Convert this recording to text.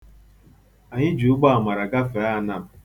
Anyị jị ụgbọamara gafee Anam.